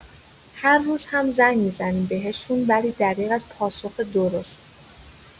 هر روز هم زنگ می‌زنیم بهشون ولی دریغ از پاسخ درست!